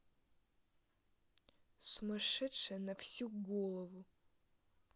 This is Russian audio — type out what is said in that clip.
сумасшедшая на всю голову